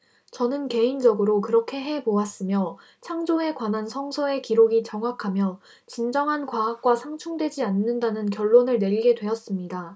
저는 개인적으로 그렇게 해 보았으며 창조에 관한 성서의 기록이 정확하며 진정한 과학과 상충되지 않는다는 결론을 내리게 되었습니다